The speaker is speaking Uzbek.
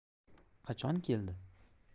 qachon keldi